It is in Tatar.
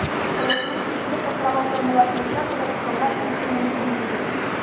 Халыкның көчле катламы формалашмыйча торып, моңа ирешү мөмкин түгел.